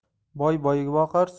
boy boyga boqar